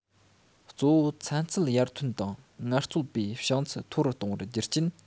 གཙོ བོ ཚན རྩལ ཡར ཐོན དང ངལ རྩོལ པའི བྱང ཚད མཐོ རུ གཏོང བར བསྒྱུར བརྟེན